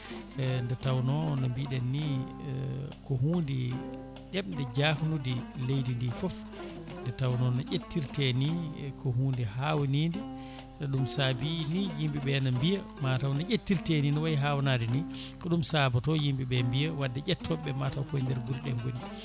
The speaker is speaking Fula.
nde tawno no mbiɗen ni ko hunde ɗeɓde jahnude leydi ndi foof nde tawno no ƴettirte ni e ko hunde hawnide ɗum saabi ni yimɓeɓe ne mbiya mataw no ƴettirte ni no wayi hawnade ni ko ɗum saboto yimɓeɓe mbiya wadde ƴettoɓeɓe mataw koye nder guure ɗe gooni